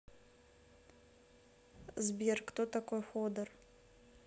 сбер кто такой ходор